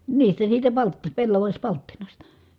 niistä siitä - pellavapalttinasta